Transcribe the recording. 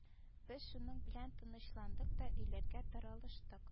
Без шуның белән тынычландык та өйләргә таралыштык